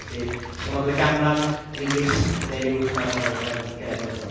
Felly, dach chi'n meddwl bod y ganran yn is neu'n uwch na'r lefel gelen- genedlaethol.